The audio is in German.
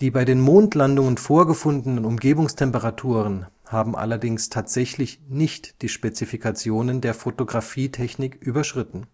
bei den Mondlandungen vorgefundenen Umgebungstemperaturen haben allerdings tatsächlich nicht die Spezifikationen der Fotografietechnik überschritten